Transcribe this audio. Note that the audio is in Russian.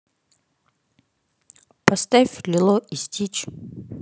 поставь лило и стич